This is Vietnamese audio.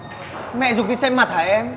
mẹ giục đi xem mặt hả em